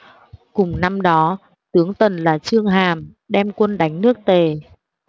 cùng năm đó tướng tần là chương hàm đem quân đánh nước tề